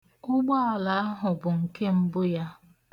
Ụgbaala ahụ bụ nke mbụ ya.